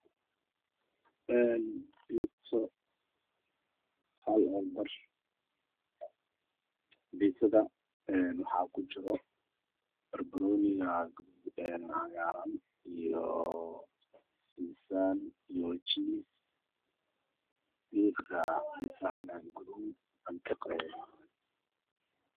Bitzo hal oder bitzada waxaa kujiro barbarooni cagaaran iyo simzaan iyo jiis midabka bitzahana guduud aan tiq eheen